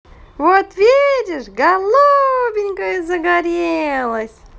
вот видишь голубенькая загорелась